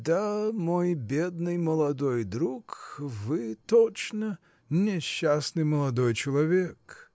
-- Да, мой бедный молодой друг; вы, точно, -- несчастный молодой человек.